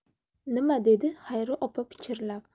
nima dedi xayri opa pichirlab